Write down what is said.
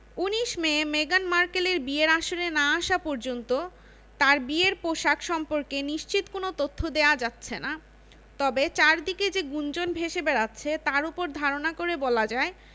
১৯ May মেগান মার্কেলের বিয়ের আসরে না আসা পর্যন্ত তাঁর বিয়ের পোশাক সম্পর্কে নিশ্চিত কোনো তথ্য দেওয়া যাচ্ছে না তবে চারদিকে যে গুঞ্জন ভেসে বেড়াচ্ছে তার ওপর ধারণা করে বলা যায়